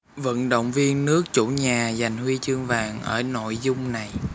vận động viên nước chủ nhà giành huy chương vàng ở nội dung này